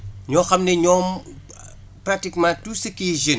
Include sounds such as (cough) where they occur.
yoo xam ne ñoom (hesitation) pratiquement tout ce qui est jeunes